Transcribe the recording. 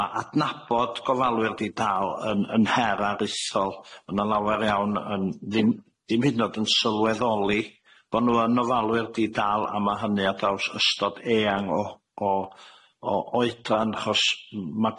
ma' adnabod gofalwyr di-dal yn yn hera rithol ma' na lawer iawn yn ddim dim hyd yn o'd yn sylweddoli bo' n'w yn ofalwyr di-dal a ma' hynny ar draws ystod eang o o oedran achos m- ma'